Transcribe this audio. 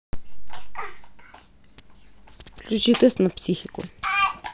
включи тест на психику